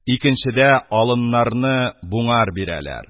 Икенчедә алыннарны буңар бирәләр.